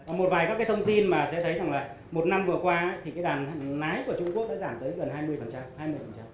có một vài các thông tin mà sẽ thấy rằng là một năm vừa qua thì cái làng lái của trung quốc đã giảm tới gần hai mươi phần trăm hai mươi phần trăm